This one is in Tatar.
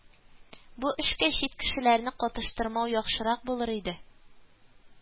Бу эшкә чит кешеләрне катыштырмау яхшырак булыр иде